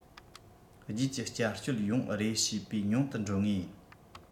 རྗེས ཀྱི བསྐྱར གཅོད ཡོང རེ ཞུས པའི ཉུང དུ འགྲོ ངེས ཡིན